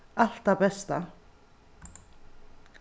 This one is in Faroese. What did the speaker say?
alt tað besta